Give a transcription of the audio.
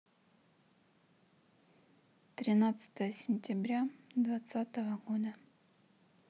тринадцатое сентября двадцатого года